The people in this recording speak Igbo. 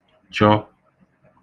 chọ